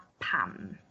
pam?